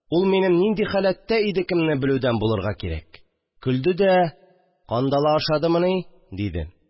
Ул, минем нинди халәттә идекемне белүдән булырга кирәк, көлде дә: «Кандала ашадымыни?» – диде